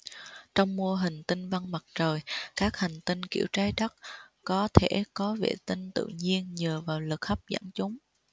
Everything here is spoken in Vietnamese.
trong mô hình tinh vân mặt trời các hành tinh kiểu trái đất có thể có vệ tinh tự nhiên nhờ vào lực hấp dẫn chúng